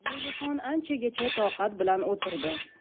zelixon anchagacha toqat bilan o'tirdi